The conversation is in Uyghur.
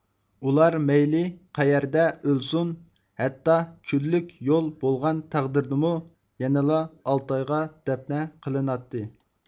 ئۇلار مەيلى قەيەردە ئۆلسۇن ھەتتا كۈنلۈك يول بولغان تەقدىردىمۇ يەنىلا ئالتايغا دەپنە قىلىناتتى